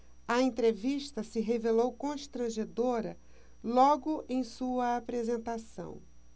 a entrevista se revelou constrangedora logo em sua apresentação